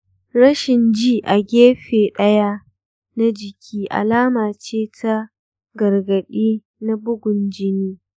ranshin ji a gefe ɗaya na jiki alama ce ta gargaɗi na bugun jini.